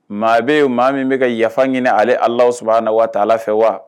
Maa bɛ yen maa min bɛka yafa ɲini ale Alahu subhanahu wa ta ala fɛ wa?